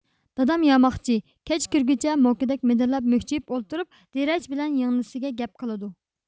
دادام ياماقچى كەچ كىرگۈچە موكىدەك مىدىرلاپ مۈكچىيىپ ئولتۇرۇپ دىرەج بىلەن يىڭنىسىگە گەپ قىلىدۇ